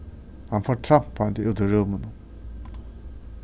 hann fór trampandi út úr rúminum